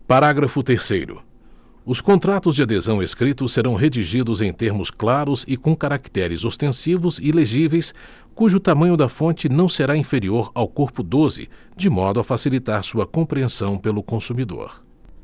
parágrafo terceiro os contratos de adesão escritos serão redigidos em termos claros e com caracteres ostensivos e legíveis cujo tamanho da fonte não será inferior ao corpo doze de modo a facilitar sua compreensão pelo consumidor